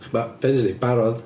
Ba- Be ddudest ti? Barod.